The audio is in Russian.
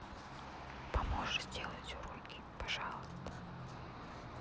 поможешь сделать уроки пожалуйста